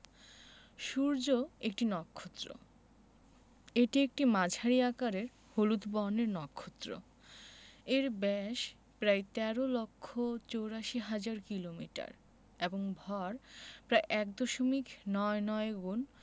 সূর্য একটি নক্ষত্র এটি একটি মাঝারি আকারের হলুদ বর্ণের নক্ষত্র এর ব্যাস প্রায় ১৩ লক্ষ ৮৪ হাজার কিলোমিটার এবং ভর প্রায় এক দশমিক নয় নয় গুণ